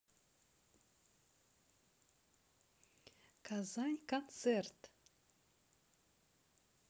казань концерт